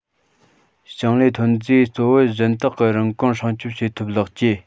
ཞིང ལས ཐོན རྫས གཙོ བོ གཞན དག གི རིན གོང སྲུང སྐྱོང བྱེད ཐབས ལེགས བཅོས